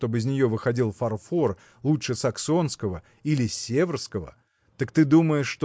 чтобы из нее выходил фарфор лучше саксонского или севрского так ты думаешь